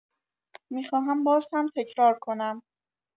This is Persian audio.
می‌خواهم باز هم تکرار کنم.